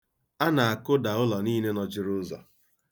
A na-akụda ụlọ niile nọchiri ụzọ.